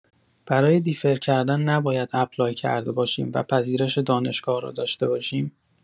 برای دیفر کردن نباید اپلای کرده باشیم و پذیرش دانشگاه را داشته باشیم؟